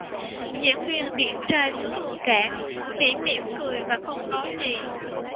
diễn viên điển trai xứ hương cảng chỉ mỉm cười và không nói gì